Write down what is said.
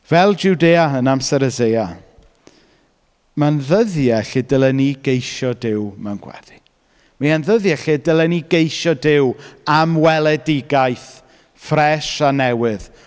Fel Jwdea yn amser Eseia, ma'n ddyddiau lle dylen ni geisio Duw mewn gweddi. Mae e’n ddyddiau lle dylen ni geisio Duw am weledigaeth ffresh a newydd...